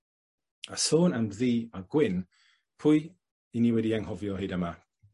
a sôn am ddu a gwyn, pwy 'yn ni wedi anghofio hyd yma?